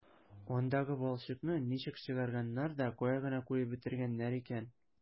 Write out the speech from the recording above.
Андагы балчыкны ничек чыгарганнар да кая гына куеп бетергәннәр икән...